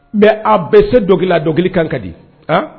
Mɛ a bɛ se dɔ la dɔnkili kan ka di a